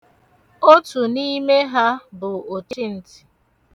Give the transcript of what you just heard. Otu n'ime ha bụ ochintị.